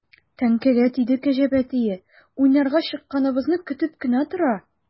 Теңкәгә тиде кәҗә бәтие, уйнарга чыкканыбызны көтеп кенә тора.